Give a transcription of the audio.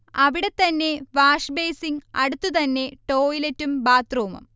അവിടെ തന്നെ വാഷ്ബെയ്സിങ്, അടുത്ത് തന്നെ ടോയ്ലറ്റും ബാത്ത്റൂമും